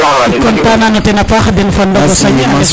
i content no ten a paax dew fo